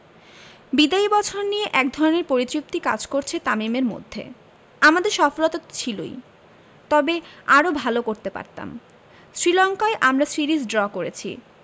বিদায়ী বছর নিয়ে একধরনের পরিতৃপ্তি কাজ করছে তামিমের মধ্যে আমাদের সফলতা তো ছিলই তবে আরও ভালো করতে পারতাম শ্রীলঙ্কায় আমরা সিরিজ ড্র করেছি